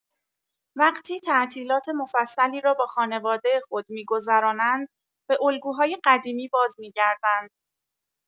وقتی تعطیلات مفصلی را با خانواده خود می‌گذرانند، به الگوهای قدیمی بازمی‌گردند.